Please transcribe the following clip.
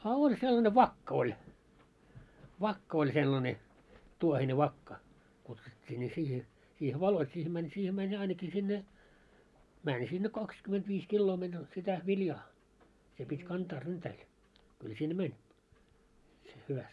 a oli sellainen vakka oli vakka oli sellainen tuohinen vakka kutsuttiin niin siihen siihen valot siihen meni siihen meni ainakin sinne meni sinne kaksikymmentäviisi kiloa meni sitä viljaa se piti kantaa ryntäillä kyllä sinne meni se hyvästi